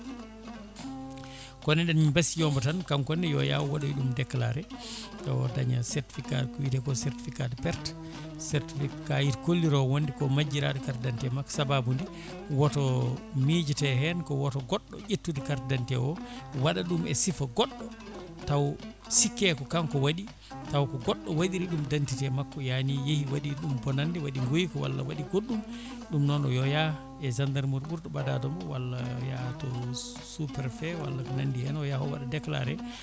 kono eɗen mbasiyomo tan kankone yo yaa o waɗoya ɗum déclraré o daaña certificat ko wiiteko certificat de perte certifi kayit kollirowo wonde ko majjiraɗo carte d' identité makko sabaude woto miijete hen ko woto goɗɗo ƴettude carte d' identité o waɗa ɗum e siifa goɗɗo taw sikke ko kanko waɗi taw ko goɗɗo waɗiri ɗum d' identité makko yaani yeehi waɗiri ɗum bonande waɗi guyka walla waɗi goɗɗum ɗum noon yo yaah e gendarmerie ɓurɗo ɓadademo walla yaa to sous prefet walla ko nandi hen o yaa o waɗa déclaré